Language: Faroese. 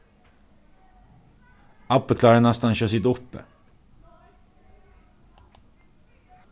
abbi kláraði næstan ikki sita uppi